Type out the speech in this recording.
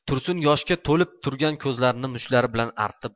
tursun yoshga to'lib turgan ko'zlarini mushtlari bilan artib